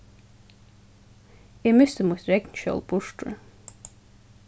eg misti mítt regnskjól burtur